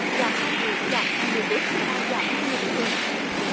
giảm hai vụ giảm hai người chết và giảm hai người bị thương